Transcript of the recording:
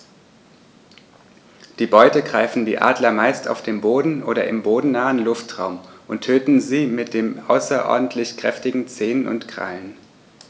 Die Beute greifen die Adler meist auf dem Boden oder im bodennahen Luftraum und töten sie mit den außerordentlich kräftigen Zehen und Krallen.